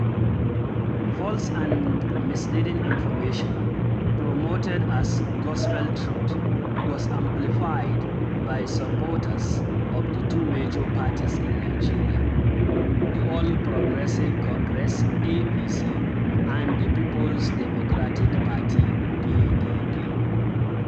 False and misleading information, promoted as gospel truth, was amplified by supporters of the two major parties in Nigeria: the All Progressive Congress (APC) and the People's Democratic Party (PDP).